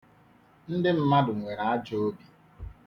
Ndị mmadụ nwere ajọ obi.